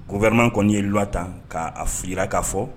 Ko wɛrɛman kɔni ye lwa tan k'a f k'a fɔ